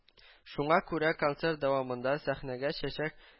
Шуңа күрә концерт дәвамында сәхнәгә чәчәк